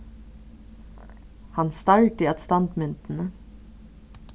hann stardi at standmyndini